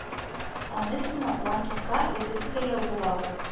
Аңлыйсызмы, план тулса, үзе безгә ял була ул